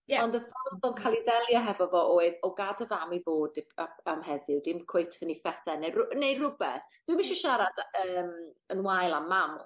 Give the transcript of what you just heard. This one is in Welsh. Ie ond y ffordd o ca'l 'i ddelio hefo fo oedd o gad dy fam i fod dy- a- am heddiw dim cweit yn 'i phethe ne' rw- neu rwbeth. Dw'm isie siarad y- yym yn wael am mam